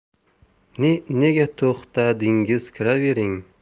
nega to'xtadingiz kiravering